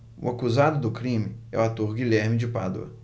o acusado do crime é o ator guilherme de pádua